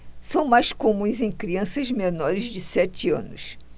são mais comuns em crianças menores de sete anos